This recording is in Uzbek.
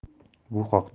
bu haqda huquqiy